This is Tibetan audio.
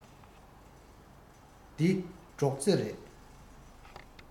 འདི སྒྲོག རྩེ རེད